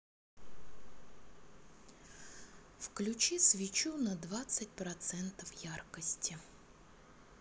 включи свечу на двадцать процентов яркости